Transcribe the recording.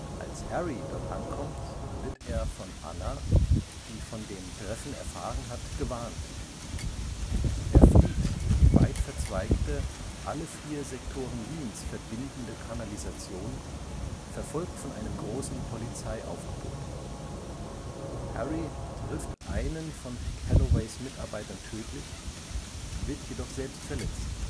Als Harry dort ankommt, wird er von Anna, die von dem Treffen erfahren hat, gewarnt. Er flieht in die weitverzweigte, alle vier Sektoren Wiens verbindende Kanalisation, verfolgt von einem großen Polizeiaufgebot. Harry trifft einen von Calloways Mitarbeitern tödlich, wird jedoch selbst verletzt